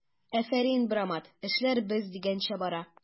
Афәрин, брамат, эшләр без дигәнчә бара!